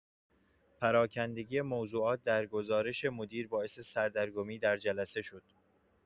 پراکنده‌گی موضوعات در گزارش مدیر باعث سردرگمی در جلسه شد.